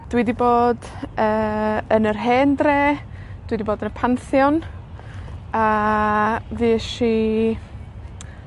Dwi 'di bod yy, yn yr hen dre. Dwi 'di bod yn y Pantheon, a fuesh i